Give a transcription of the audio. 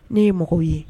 Ne ye mɔgɔw ye